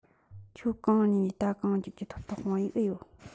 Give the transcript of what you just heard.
ཁྱོད གང ནས ནིས ད གང ང འགྱོ རྒྱུ ཐོབ ཐང དཔང ཡིག ཨེ ཡོད